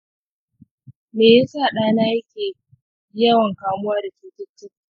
me yasa ɗana yake wayan kamuwa da cututtuka?